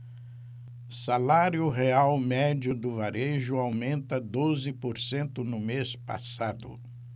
salário real médio do varejo aumenta doze por cento no mês passado